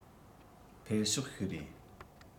འཕེལ ཕྱོགས ཤིག རེད